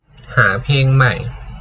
หาเพลงมาใหม่